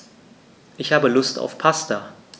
Ich habe Lust auf Pasta.